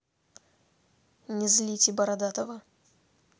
не злите бородатого